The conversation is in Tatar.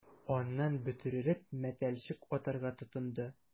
Аннан, бөтерелеп, мәтәлчек атарга тотынды...